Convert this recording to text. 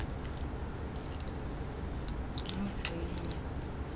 гни свою линию